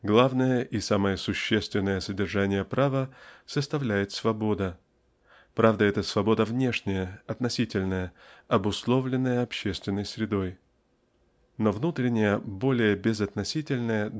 Главное и самое существенное содержание права составляет свобода. Правда это свобода внешняя относительная обусловленная общественной средой Но внутренняя более безотносительная